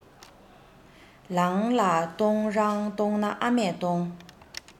ལང ལ གཏོང རང གཏོང ན ཨ མས གཏོང